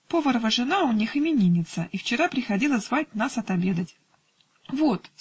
Поварова жена у них именинница и вчера приходила звать нас отобедать. -- Вот!